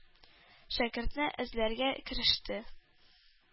Шәкертне эзләргә кереште.